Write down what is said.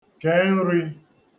-kè nrī